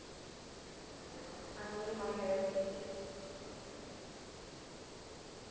они мои родители